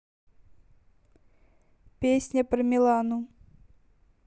песня про милану